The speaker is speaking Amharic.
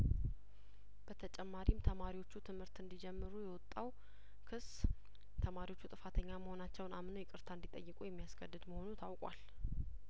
በተጨማሪም ተማሪዎቹ ትምህርት እንዲ ጀምሩ የወጣው ክስ ተማሪዎቹ ጥፋተኛ መሆናቸውን አምነው ይቅርታ እንዲ ጠይቁ የሚያስገድድ መሆኑ ታውቋል